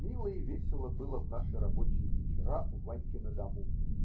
Мило и весело было в наши рабочие вечера у Ваньки на дому.